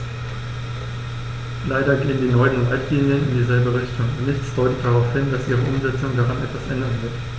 Leider gehen die neuen Leitlinien in dieselbe Richtung, und nichts deutet darauf hin, dass ihre Umsetzung daran etwas ändern wird.